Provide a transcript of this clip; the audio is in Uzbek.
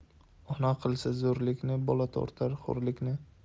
ona qilsa zo'rlikni bola tortar xo'rlikni